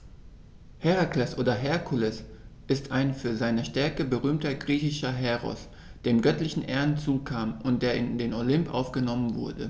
Herakles oder Herkules ist ein für seine Stärke berühmter griechischer Heros, dem göttliche Ehren zukamen und der in den Olymp aufgenommen wurde.